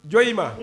Jɔn i ma